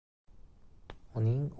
uning o'ynoqi o'tkir ko'zlari endi